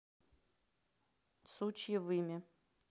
сучье вымя